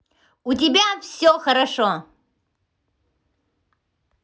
у тебя все хорошо